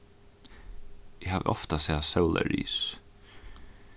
eg havi ofta sæð sólarris